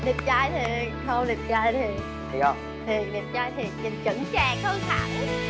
đẹp trai thiệt không đẹp trai thiệt thiệt đẹp trai thiệt nhìn chửng chạc hơn hẳn